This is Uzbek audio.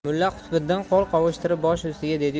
mulla qutbiddin qo'l qovushtirib bosh ustiga dedi